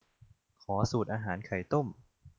ขอสูตรอาหารไข่ต้ม